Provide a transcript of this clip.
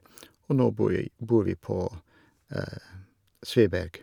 Og nå bo vi bor vi på Sveberg.